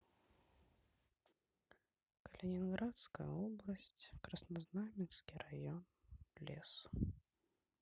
калининградская область краснознаменский район лес